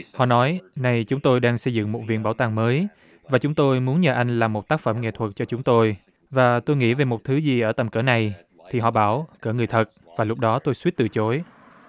họ nói nay chúng tôi đang xây dựng một viện bảo tàng mới và chúng tôi muốn nhờ anh làm một tác phẩm nghệ thuật cho chúng tôi và tôi nghĩ về một thứ gì ở tầm cỡ này thì họ bảo cỡ người thật và lúc đó tôi suýt từ chối